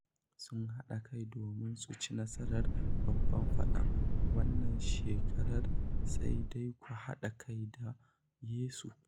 Sun haɗa kai domin su ci nasarar babban faɗan… wannan shekarar sai dai ku haɗa kai da Yesu.